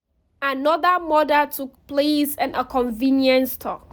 Another murder took place in a convenience store.